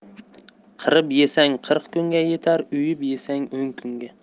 qirib yesang qirq kunga yetar o'yib yesang o'n kunga